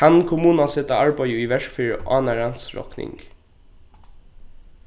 kann kommunan seta arbeiðið í verk fyri ánarans rokning